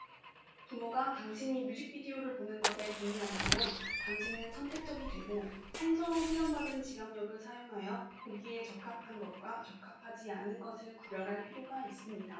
부모가 당신이 뮤직 비디오를 보는 것에 동의한다면 당신은 선택적이 되고 성서로 훈련받은 지각력을 사용하여 보기에 적합한 것과 적합하지 않은 것을 구별할 필요가 있습니다